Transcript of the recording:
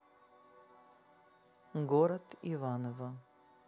город иваново